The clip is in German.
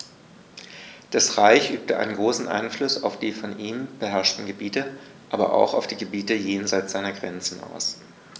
Das Reich übte einen großen Einfluss auf die von ihm beherrschten Gebiete, aber auch auf die Gebiete jenseits seiner Grenzen aus.